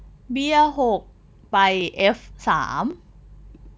เบี้ยหกไปเอฟสาม